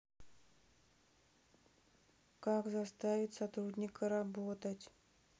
как заставить сотрудника работать